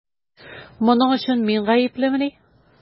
Моның өчен мин гаеплемени?